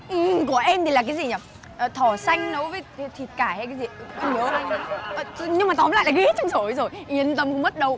ừ của em thì là cái gì nhở thỏ xanh nấu với thịt cải hay cái gì ớ không nhớ nhưng mà tóm lại là ghi hết trong sổ đây rồi yên tâm không mất đâu